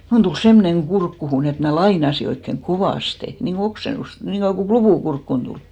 minun tuli semmoinen kurkkuun että minä lainasin oikein kovasti niin kuin oksennusta niin kuin joku klupu kurkkuun tuli